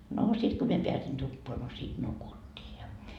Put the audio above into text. no sitten kun minä pääsin tupaan no siitä nukuttiin ja